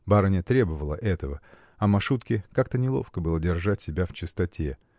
Барыня требовала этого, а Машутке как-то неловко было держать себя в чистоте.